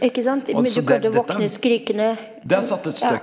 ikke sant, men du kommer til å våkne skrikende ja.